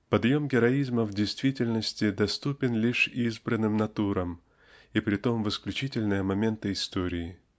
Подъем героизма в действительности доступен лишь избранным натурам и притом в исключительные моменты истории